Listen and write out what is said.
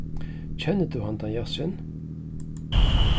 kennir tú handa jassin